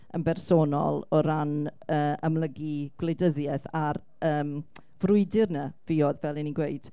yn bersonol, o ran yy amlygu gwleidyddiaeth a'r yym... frwydr 'na fuodd, fel 'y ni'n gweud,